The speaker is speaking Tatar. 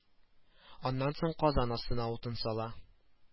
Аннан соң казан астына утын сала